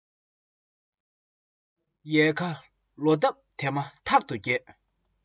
ཡལ ག ལོ འདབ དེ མ ཐག ཏུ རྒྱས